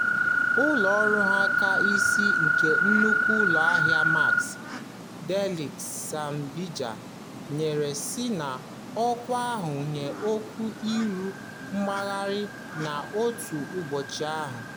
Ụlọ ọrụ keisi nke nnukwu ụlọ ahịa Maxi, Delez Srbija, nyere si n'ọkwa ha nye okwu ịrịọ mgbaghara n'otu ụbọchị ahụ.